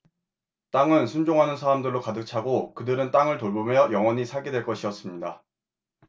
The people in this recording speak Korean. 땅은 순종하는 사람들로 가득 차고 그들은 땅을 돌보며 영원히 살게 될 것이었습니다